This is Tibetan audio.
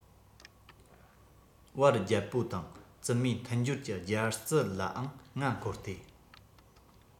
བར རྒྱལ པོ དང བཙུན མོའི མཐུན སྦྱོར གྱི སྦྱར རྩི ལའང ང མཁོ སྟེ